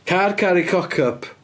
Car caru cock up.